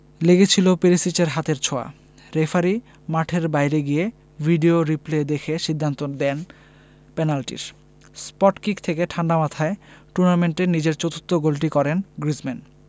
লেগেছিল পেরিসিচের হাতের ছোঁয়া রেফারি মাঠের বাইরে গিয়ে ভিডিও রিপ্লে দেখে সিদ্ধান্ত দেন পেনাল্টির স্পটকিক থেকে ঠাণ্ডা মাথায় টুর্নামেন্টে নিজের চতুর্থ গোলটি করেন গ্রিজমান